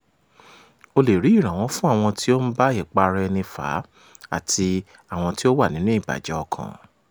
Ó lè rí ìrànwọ́ fún àwọn tí ó ń bá ìparaẹni fà á àti àwọn tí ó wà nínú ìbàjẹ́ ọkàn.